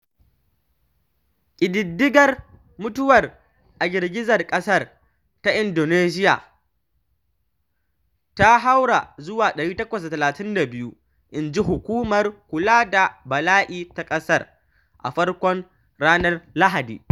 Ƙididdigar mutuwar a girgizar ƙasar ta Indonesiyan ta haura zuwa 832, inji hukumar kula da bala’i ta ƙasar a farkon ranar Lahadi.